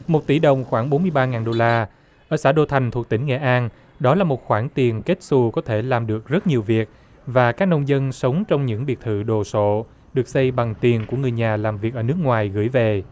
một tỷ đồng khoảng bốn mươi ba ngàn đô la ở xã đô thành thuộc tỉnh nghệ an đó là một khoản tiền kếch xù có thể làm được rất nhiều việc và các nông dân sống trong những biệt thự đồ sộ được xây bằng tiền của người nhà làm việc ở nước ngoài gửi về